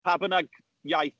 Pa bynnag iaith...